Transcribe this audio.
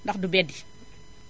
ndax du beddi